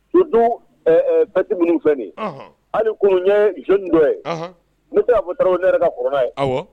Tu dun bɛɛti minnu fɛ hali kun ye z dɔ ye ne tɛbuta ne yɛrɛ ka kɔrɔla ye